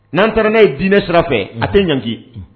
N'an t ne ye diinɛ sira fɛ a tɛ ɲ